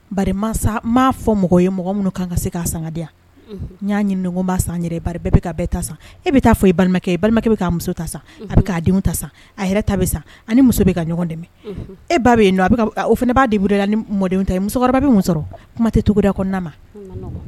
Ba fɔ mɔgɔ ye mɔgɔ minnu kan ka se k' san yan na ɲini ma san yɛrɛ ta e bɛ taa fɔ balima balima bɛ muso ta bɛ' denw ta a ta muso bɛ ka ɲɔgɔn dɛmɛ e ba bɛ yen nɔ a o fana b'a de la ni mɔden ta musokɔrɔba bɛ sɔrɔ kuma tɛ cogo' ma